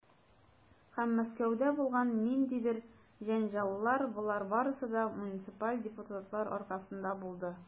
Һәм Мәскәүдә булган ниндидер җәнҗаллар, - болар барысы да муниципаль депутатлар аркасында булды.